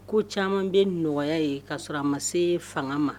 Ko caman bɛ nɔgɔya ye ka'a sɔrɔ a ma se fanga ma.